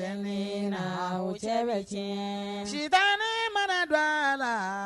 fɛmi na , o cɛ bɛ sɛ bɛ tiɲɛ, sitanɛ mana don a la